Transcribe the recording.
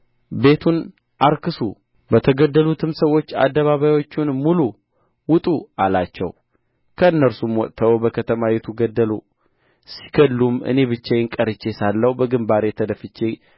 ቤቱን አርክሱ በተገደሉትም ሰዎች አደባባዮችን ሙሉ ውጡ አላቸው እነርሱም ወጥተው በከተማይቱ ገደሉ ሲገድሉም እኔ ብቻዬን ቀርቼ ሳለሁ በግምባሬ ተደፍቼ